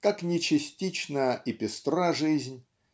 Как ни частичка и пестра жизнь